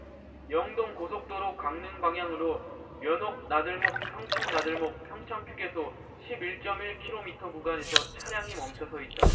영동고속도로 강릉방향으로 면옥나들목 평창나들목 평창휴게소 십 일 쩜 일 키로미터 구간에서 차량이 멈춰서 있다